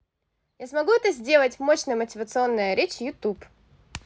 я смогу это сделать мощная мотивационная речь youtube